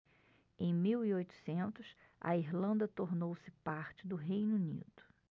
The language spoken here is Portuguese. em mil e oitocentos a irlanda tornou-se parte do reino unido